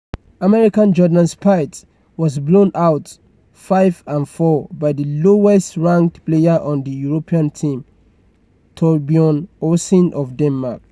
American Jordan Spieth was blown out 5&4 by the lowest-ranked player on the European team, Thorbjorn Olesen of Denmark.